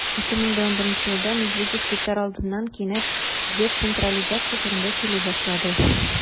2011 елда медведев китәр алдыннан кинәт децентрализация турында сөйли башлады.